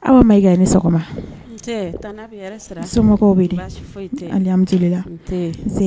Aw' ma e ka ni sɔgɔma so